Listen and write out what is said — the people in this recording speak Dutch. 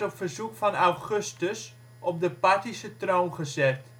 verzoek van Augustus op de Parthische troon gezet